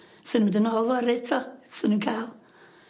swn i mynd yn ôl 'to 'swn i'n ca'l.